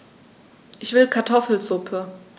Ich will Kartoffelsuppe.